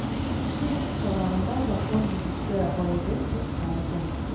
Тикшерү кысаларында закон бозучы гаебен инкарь итә.